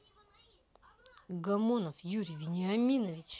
гомонов юрий вениаминович